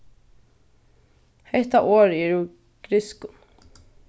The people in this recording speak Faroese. hetta orðið er úr grikskum